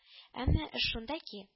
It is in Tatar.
Әмма эш шунда ки